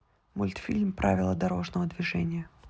мультфильм правила дорожного движения